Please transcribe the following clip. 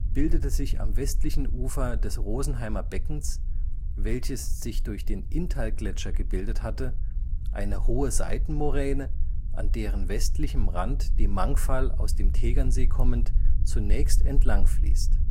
bildete sich am westlichen Ufer des Rosenheimer Beckens, welches sich durch den Inntalgletscher gebildet hatte, eine hohe Seitenmoräne, an deren westlichem Rand die Mangfall aus dem Tegernsee kommend zunächst entlang fließt